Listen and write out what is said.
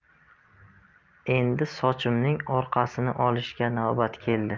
endi sochimning orqasini olishga navbat keldi